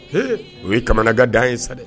O ye kamana ga dan ye sa dɛ